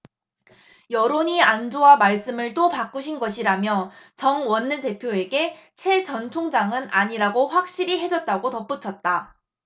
여론이 안 좋아 말씀을 또 바꾸신 것이라며 정 원내대표에게 채 전 총장은 아니라고 확실히 해줬다고 덧붙였다